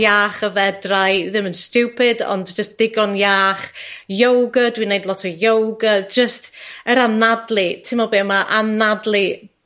iach a fedrai, ddim yn stupid, ond jyst digon iach. Yoga dwi'n neud lot o Yoga, jyst yr anadlu. T'mo' be ma' anadlu